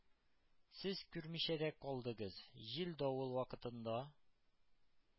Сез күрмичә дә калдыгыз, җил-давыл вакытында